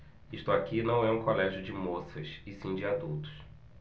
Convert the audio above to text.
isto aqui não é um colégio de moças e sim de adultos